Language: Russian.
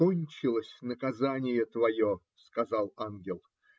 - Кончилось наказание твое, - сказал ангел.